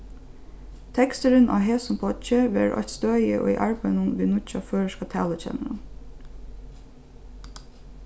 teksturin á hesum bloggi verður eitt støði í arbeiðinum við nýggja føroyska talukennaranum